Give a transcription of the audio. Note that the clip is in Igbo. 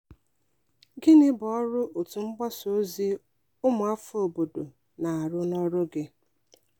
Gịnị bụ ọrụ otú mgbasa ozi ụmụafọ obodo na-arụ n'oru gị?